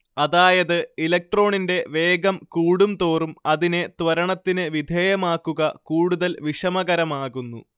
അതായത് ഇലക്ട്രോണിന്റെ വേഗം കൂടും തോറും അതിനെ ത്വരണത്തിന് വിധേയമാക്കുക കൂടുതൽ വിഷമകരമാകുന്നു